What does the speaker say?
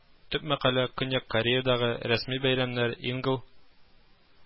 Төп мәкалә Көньяк Кореядагы рәсми бәйрәмнәр ингл